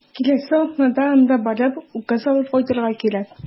Киләсе атнада анда барып, указ алып кайтырга кирәк.